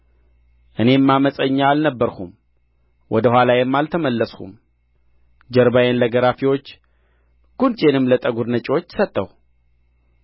እኔም ዓመፀኛ አልነበርሁም ወደ ኋላዬም አልተመለስሁም ጀርባዬን ለገራፊዎች ጕንጬንም ለጠጕር ነጪዎች ሰጠሁ